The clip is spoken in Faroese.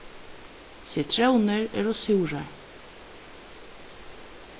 sitrónir eru súrar